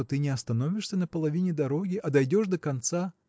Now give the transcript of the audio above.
что ты не остановишься на половине дороги а пойдешь до конца.